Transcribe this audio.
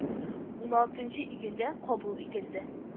Ун алтынчы июнендә кабул ителде